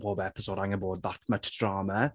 o bob episode, angen bod that much drama...